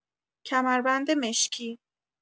کمربند مشکی